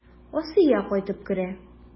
Асия кайтып керә.